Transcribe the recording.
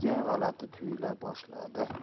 menga g'alati tuyula boshladi